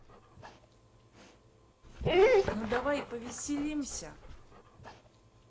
ну давай повеселимся